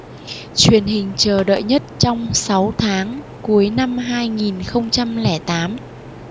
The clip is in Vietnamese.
truyền hình chờ đợi nhất trong sáu tháng cuối năm hai nghìn không trăm lẻ tám